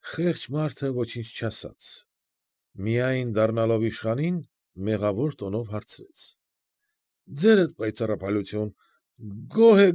Խեղճ մարդը ոչինչ չասաց։ Միայն, դառնալով իշխանին, մեղավոր տոնով հարցրեց. ֊ Ձերդ պայծառափայլություն, գո՞հ։